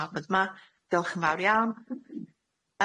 i pawb o'dd 'ma, diolch yn fawr iawn.